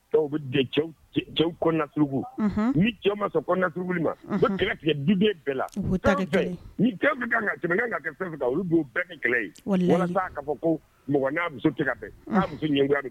Bɛ cɛw ni cɛw ma sɔnuruugu ma kɛlɛ tigɛ dubi bɛɛ la jamana kɛ olu don u bɛɛ ni kɛlɛ walasa'a ka fɔ ko m n muso tigɛ muso